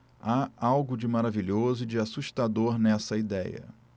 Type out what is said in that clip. há algo de maravilhoso e de assustador nessa idéia